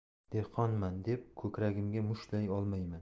dehqonman deb ko'kragimga mushtlay olmayman